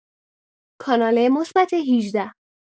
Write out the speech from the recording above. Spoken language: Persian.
کانال مثبت ۱۸